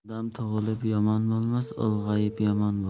odam tug'ilib yomon bo'lmas ulg'ayib yomon bo'lar